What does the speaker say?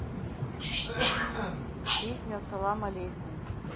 песня салам алейкум